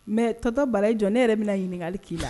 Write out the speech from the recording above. Tonton Bala i jɔ ne yɛrɛ bi na ɲininkali ki la.